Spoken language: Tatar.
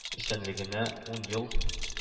Эшчәнлегенә ун ел